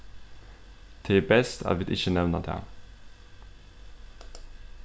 tað er best at vit ikki nevna tað